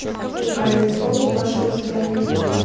уникальное слово вашего задания